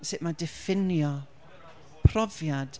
sut mae diffinio profiad.